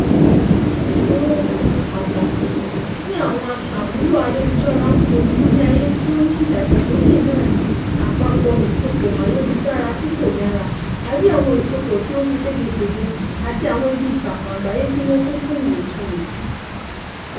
Ìṣòro kan pàtàkì tí àwọn aṣàmúlò ayélujára ń kojú ní ayé tí ó ń ní ìdàgbàsókè náà ni àpapọ̀ ìsopọ̀máyélujára tí kò yára (àbí, àwọn ìsopọ̀ tí ó ń ṣe ṣégesège) àti àwọn ibi ìtakùn àgbáyé tí wọ́n kún fún ìwòkuwò.